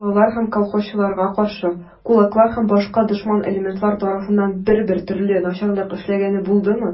Ярлылар һәм колхозчыларга каршы кулаклар һәм башка дошман элементлар тарафыннан бер-бер төрле начарлык эшләнгәне булдымы?